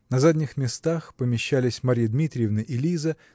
На задних местах помещались Марья Дмитриевна и Лиза